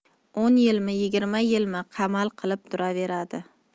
o'n yilmi yigirma yilmi qamal qilib turaveradi